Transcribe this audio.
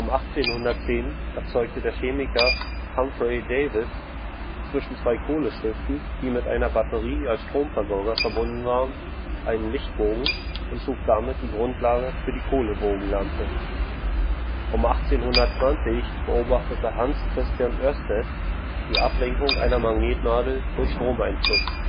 1810 erzeugte der Chemiker Humphry Davy zwischen zwei Kohlestiften, die mit einer Batterie als Stromversorger verbunden waren, einen Lichtbogen und schuf damit die Grundlagen für die Kohlebogenlampe. Um 1820 beobachtete Hans Christian Ørsted die Ablenkung einer Magnetnadel durch Stromeinfluss